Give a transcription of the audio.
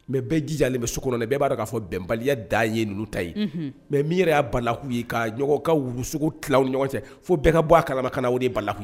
Mais bɛɛ jijalen bɛ so kɔnɔ dɛ, bɛɛ b'a k'a fɔ bɛnbaliya dan ye ninnu ta ye;. Unhun. Mais min yɛrɛ y'a balahu ye ka ɲɔgɔ ka wulu sɔgɔ tilan aw ni ɲɔgɔn cɛ, fo bɛɛ ka bɔ a kalama ka na o de ye balahu ye.